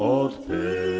Odpeth .